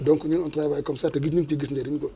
donc ñun on travaille comme ça te gis ñañu si gis njëriñ quoi